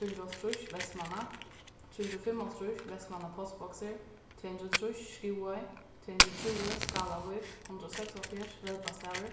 trý hundrað og hálvtrýss vestmanna trý hundrað og fimmoghálvtrýss vestmanna postboksir tvey hundrað og trýss skúvoy tvey hundrað og tjúgu skálavík hundrað og seksoghálvfjerðs velbastaður